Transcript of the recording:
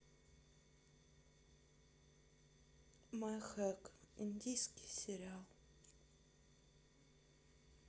мехэк индийский сериал